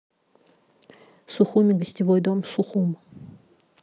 сухуми гостевой дом сухум